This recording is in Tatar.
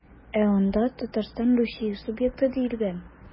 Ә анда Татарстан Русия субъекты диелгән.